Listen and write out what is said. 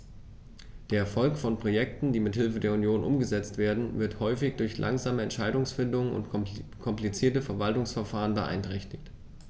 Der Erfolg von Projekten, die mit Hilfe der Union umgesetzt werden, wird häufig durch langsame Entscheidungsfindung und komplizierte Verwaltungsverfahren beeinträchtigt.